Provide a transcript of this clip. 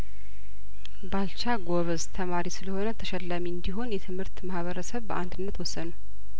ባልቻ ጐበዝ ተማሪ ስለሆነ ተሸላሚ እንዲሆን የትምህርት ማህበረሰብ በአንድነት ወሰኑ